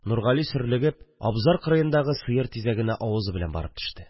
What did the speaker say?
Нургали сөрлегеп абзар кырыендагы сыер тизәгенә авызы белән барып төште